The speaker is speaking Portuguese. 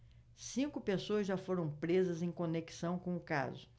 cinco pessoas já foram presas em conexão com o caso